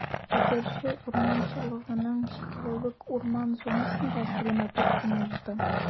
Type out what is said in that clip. Әгерҗе урманчылыгының «Чикләвек» урман зонасында Сәламәтлек көне узды.